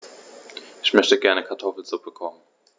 Ich möchte gerne Kartoffelsuppe kochen.